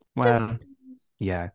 Wel, ie.